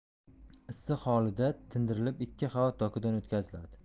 issiq holida tindirilib ikki qavat dokadan o'tkaziladi